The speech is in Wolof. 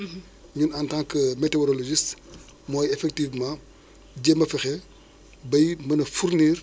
cela veut dire que donc que tenadance bi bu continué :!fra bu ñu demee donc ba fin octobre soo moytuwul au minimum danaén am 800 milimètres de pluie